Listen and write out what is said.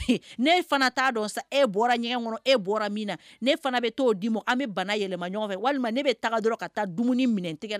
Ɛɛ ne fana t'a don e bɔra ɲɛgɛn kɔnɔn , e bɔra min na ne tɛ o don, ne fana bɛ taa o Ji minɛ ko min na bɛ bana bila ɲɔgɔn na, walima k'a taa o dumuni minɛ n tɛgɛ la.